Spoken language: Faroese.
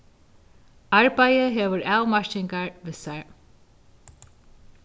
arbeiðið hevur avmarkingar við sær